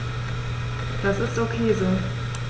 Das ist ok so.